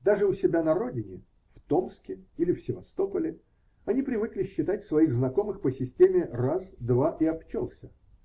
Даже у себя на родине, в Томске или в Севастополе, они привыкли считать своих знакомых по системе "раз, два и обчелся".